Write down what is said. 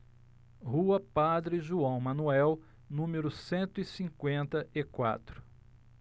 rua padre joão manuel número cento e cinquenta e quatro